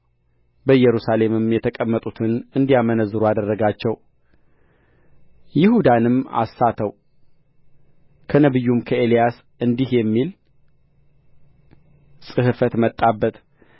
በኢየሩሳሌምም የተቀመጡትን እንዲያመነዝሩ አደረጋቸው ይሁዳንም አሳተው ከነቢዩም ከኤልያስ እንዲህ የሚል ጽሕፈት መጣባት